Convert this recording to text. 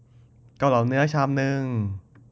เกาเหลาเนื้อชามนึง